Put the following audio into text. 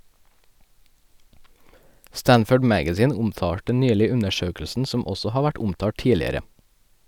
Stanford magazine omtalte nylig undersøkelsen, som også har vært omtalt tidligere.